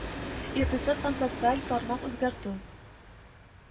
Икътисад һәм социаль тармак үзгәртү